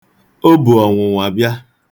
O bu ọnwụnwa bịa.